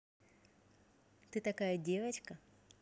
ты такая девочка